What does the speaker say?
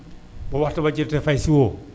bu waxtu ba jotee te fay si woo